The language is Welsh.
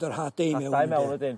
Hadau mewn wedyn.